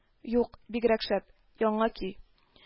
Юк, бигрәк шәп! Яңа көй